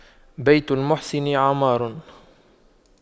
بيت المحسن عمار